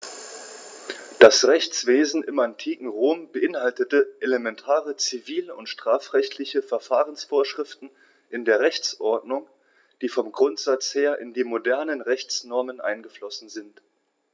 Das Rechtswesen im antiken Rom beinhaltete elementare zivil- und strafrechtliche Verfahrensvorschriften in der Rechtsordnung, die vom Grundsatz her in die modernen Rechtsnormen eingeflossen sind.